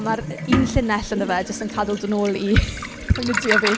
A ma'r un llinell ynddo fe jyst yn cadw dod nôl i poenydio fi.